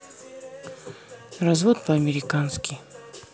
развод по американски